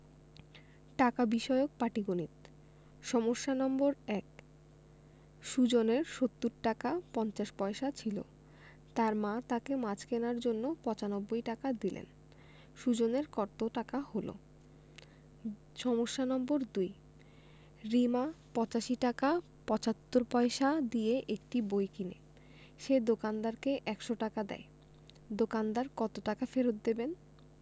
টাকা বিষয়ক পাটিগনিতঃ সমস্যা নম্বর ১ সুজনের ৭০ টাকা ৫০ পয়সা ছিল তার মা তাকে মাছ কেনার জন্য ৯৫ টাকা দিলেন সুজনের কত টাকা হলো সমস্যা নম্বর ২ রিমা ৮৫ টাকা ৭৫ পয়সা দিয়ে একটি বই কিনে সে দোকানদারকে ১০০ টাকা দেয় দোকানদার কত টাকা ফেরত দেবেন